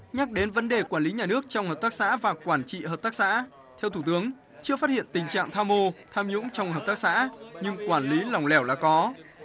nhắc đến vấn đề quản lý nhà nước trong hợp tác xã và quản trị hợp tác xã theo thủ tướng chưa phát hiện tình trạng tham ô tham nhũng trong hợp tác xã nhưng quản lý lỏng lẻo là có